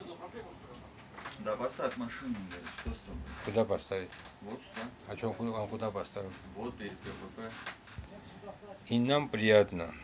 и нам приятно